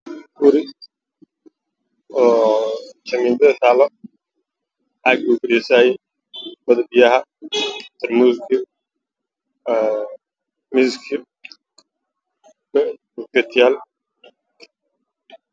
Meeshaan waxaa ka muuqdo guri shamiinto taaalo